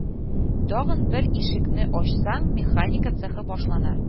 Тагын бер ишекне ачсаң, механика цехы башлана